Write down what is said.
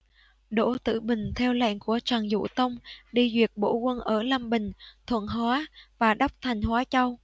đỗ tử bình theo lệnh của trần dụ tông đi duyệt bổ quân ở lâm bình thuận hóa và đắp thành hóa châu